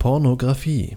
Porno-Akteure erhalten während eines Drehs Regieanweisungen (München 2004) Pornografie